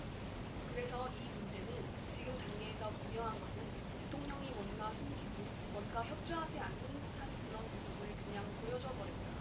그래서 이 문제는 지금 단계에서 분명한 것은 대통령이 뭔가 숨기고 뭔가 협조하지 않는 듯한 그런 모습을 그냥 보여줘버렸다